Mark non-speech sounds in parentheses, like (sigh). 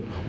(hesitation) (hesitation)